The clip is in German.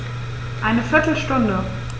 Eine viertel Stunde